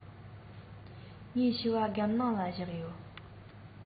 ངའི ཕྱུ པ སྒམ ནང ལ བཞག ཡོད